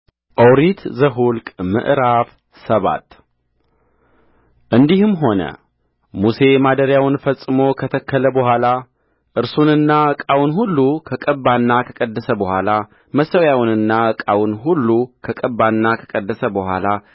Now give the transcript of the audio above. ኦሪት ዘኍልቍ ምዕራፍ ሰባት እንዲህም ሆነ ሙሴ ማደሪያውን ፈጽሞ ከተከለ በኋላ እርሱንና ዕቃውን ሁሉ ከቀባና ከቀደሰ በኋላ መሠዊያውንና ዕቃውንም ሁሉ ከቀባና ከቀደሰ በኋላ